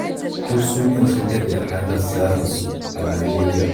Duk su biyun sun daɗe a harkar siyasarsu a Najeriya.